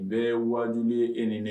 Bɛɛ ye wajibibi e ni ne